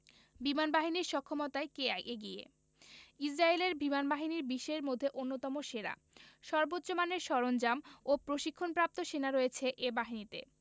বিমানবাহীর সক্ষমতায় কে এগিয়ে ইসরায়েলের বিমানবাহিনী বিশ্বের মধ্যে অন্যতম সেরা সর্বোচ্চ মানের সরঞ্জাম ও প্রশিক্ষণপ্রাপ্ত সেনা রয়েছে এ বাহিনীতে